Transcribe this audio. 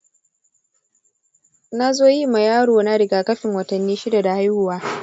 nazo yi ma yaro na rigakafin watanni shida da haihuwa